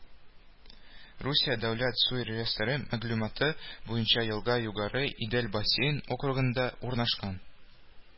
Русия дәүләт су реестры мәгълүматы буенча елга Югары Идел бассейн округында урнашкан